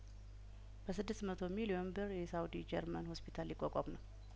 በስድስት መቶ ሚሊዮን ብር የሳውዲ ጀርመን ሆስፒታል ሊቋቋም ነው